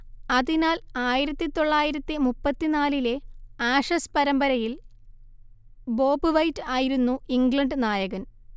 അതിനാൽ ആയിരത്തിതൊള്ളായിരത്തി മുപ്പത്തിനാലിലെ ആഷസ് പരമ്പരയിൽ ബോബ് വൈറ്റ് ആയിരുന്നു ഇംഗ്ലണ്ട് നായകൻ